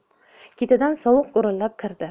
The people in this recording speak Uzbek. ketidan sovuq g'urillab kirdi